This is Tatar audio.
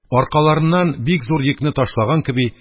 Аркаларыннан бик зур йөкне ташлаган кеби,